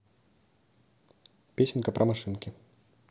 песенки про машинки